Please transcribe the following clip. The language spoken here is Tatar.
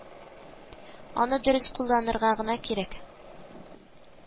Аны дөрес кулланырга гына кирәк